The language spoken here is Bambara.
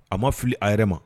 A ma fili a yɛrɛ ma